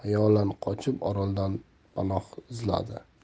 xayolan qochib oroldan panoh izladi